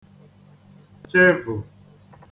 chevù